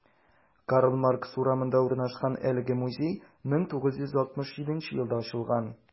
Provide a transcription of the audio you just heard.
Карл Маркс урамында урнашкан әлеге музей 1967 елда ачылган.